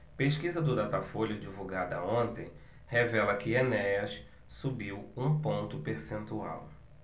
pesquisa do datafolha divulgada ontem revela que enéas subiu um ponto percentual